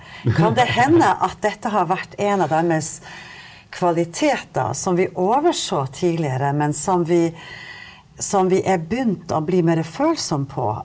kan det hende at dette har vært en av deres kvaliteter som vi overså tidligere, men som vi, som vi er begynt å bli mere følsomme på?